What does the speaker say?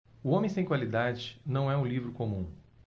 o homem sem qualidades não é um livro comum